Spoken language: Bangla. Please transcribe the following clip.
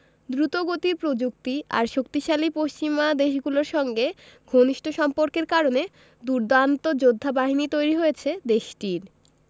দ্রুতগতির প্রযুক্তি আর শক্তিশালী পশ্চিমা দেশগুলোর সঙ্গে ঘনিষ্ঠ সম্পর্কের কারণে দুর্দান্ত যোদ্ধাবাহিনী তৈরি হয়েছে দেশটির